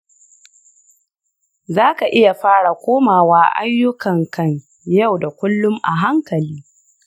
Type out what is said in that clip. zaka iya fara komawa ayyukankan yau da kullum a hankali.